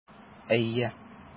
Әйе.